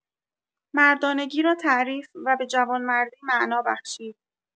مردانگی را تعریف و به جوانمردی معنا بخشید.